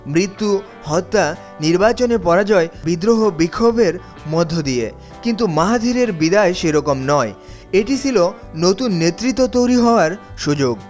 মৃত্যু হত্যা নির্বাচনে পরাজয় বিদ্রোহ-বিক্ষোভের মধ্য দিয়ে কিন্তু মাহাথিরের বিদায় সেরকম নয় এটি ছিল নতুন নেতৃত্ব তৈরি হওয়ার সুযোগ